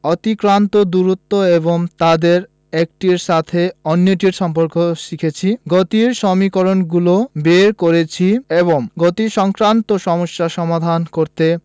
অতিক্রান্ত দূরত্ব এবং তাদের একটির সাথে অন্যটির সম্পর্ক শিখেছি গতির সমীকরণগুলো বের করেছি এবং গতিসংক্রান্ত সমস্যা সমাধান করতে